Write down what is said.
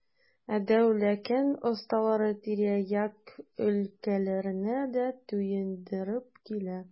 Ә Дәүләкән осталары тирә-як өлкәләрне дә туендырып килә.